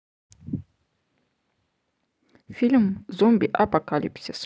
фильм зомби апокалипсис